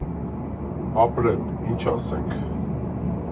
Ապրեն, ինչ ասենք։